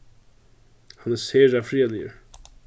hann er sera friðarligur